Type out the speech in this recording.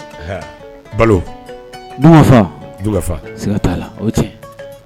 Balo sɔn dugfa siga t'a la o tiɲɛ